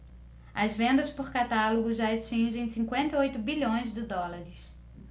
as vendas por catálogo já atingem cinquenta e oito bilhões de dólares